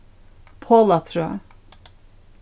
polatrøð